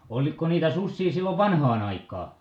oliko niitä susia silloin vanhaan aikaan